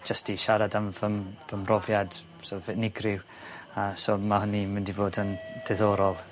jyst i siarad am fy'm fy'm mhrofiad so' of unigryw a so ma' hynny'n mynd i fod yn diddorol.